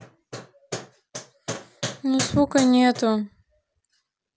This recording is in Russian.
но звука нету